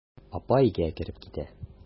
Апа өйгә кереп китә.